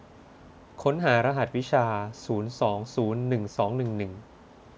ค้นหารหัสวิชาศูนย์สองศูนย์หนึ่งสองหนึ่งหนึ่ง